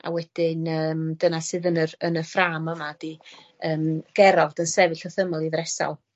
A wedyn yym dyna sydd yn yr yn y ffrâm yma 'di yym Gerald yn sefyll w'th ymyl 'i ddresal.